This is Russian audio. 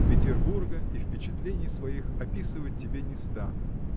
– Петербурга и впечатлений своих описывать тебе не стану.